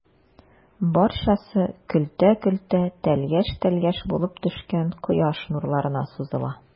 Барчасы көлтә-көлтә, тәлгәш-тәлгәш булып төшкән кояш нурларына сузыла.